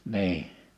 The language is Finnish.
niin